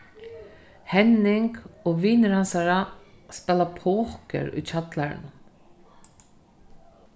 henning og vinir hansara spæla poker í kjallaranum